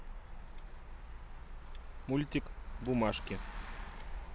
мультик бумажки